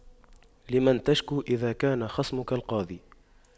لمن تشكو إذا كان خصمك القاضي